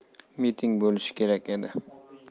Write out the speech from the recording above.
miting bo'lishi kerak edi